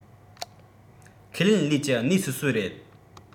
ཁས ལེན ལུས ཀྱི གནས སོ སོའི རེད